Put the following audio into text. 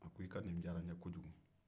a k'i ka nin diyara n ye kojugu